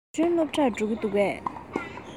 ཉི སྒྲོན སློབ གྲྭར འགྲོ གི འདུག གས